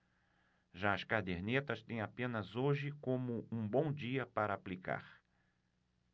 já as cadernetas têm apenas hoje como um bom dia para aplicar